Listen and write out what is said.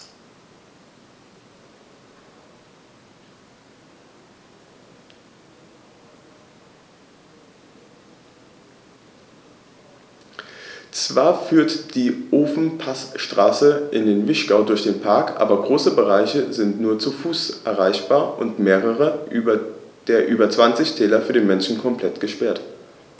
Zwar führt die Ofenpassstraße in den Vinschgau durch den Park, aber große Bereiche sind nur zu Fuß erreichbar und mehrere der über 20 Täler für den Menschen komplett gesperrt.